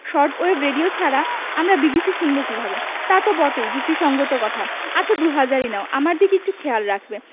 short wave radio ছাড়া আমরা BBC শুনব কিভাবে তা তো বটেই যুক্তিসংগত কথা আচ্ছা দু হাজারই নাও আমার দিকে একটু খেয়াল রাখবে